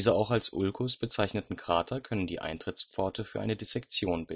auch als Ulkus bezeichneten Krater können die Eintrittspforte für eine Dissektion